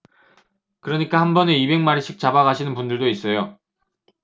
그러니까 한번에 이백 마리씩 잡아가시는 분들도 있어요